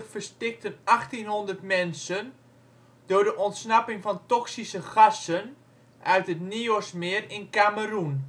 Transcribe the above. verstikten 1800 mensen door de ontsnapping van toxische gassen uit het Nyosmeer in Kameroen